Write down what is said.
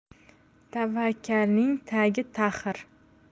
tavakkalning tagi taxir